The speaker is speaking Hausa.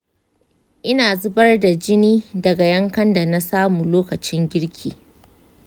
ina zubar da jini daga yankan da na samu lokacin girki.